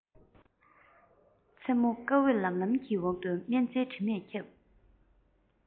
མཚན མོར སྐར འོད ལམ ལམ གྱི འོག ཏུ སྨན རྩྭའི དྲི མས ཁྱབ